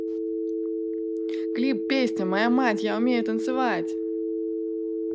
клип песня моя мать я умею танцевать